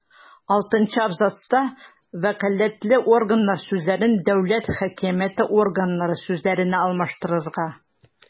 Алтынчы абзацта «вәкаләтле органнар» сүзләрен «дәүләт хакимияте органнары» сүзләренә алмаштырырга;